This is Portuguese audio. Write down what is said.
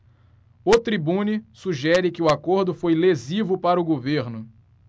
o tribune sugere que o acordo foi lesivo para o governo